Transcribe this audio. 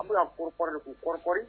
An bi na kɔri kɔnɔri de. Ku kɔriķɔri